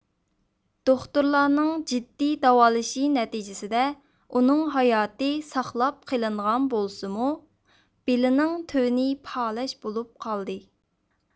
دوختۇرلارنىڭ جىددىي داۋالىشى نەتىجىسىدە ئۇنىڭ ھاياتى ساقلاپ قېلىنغان بولسىمۇ بېلىنىڭ تۆۋىنى پالەچ بولۇپ قالدى